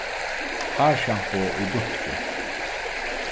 hársjampo í dunki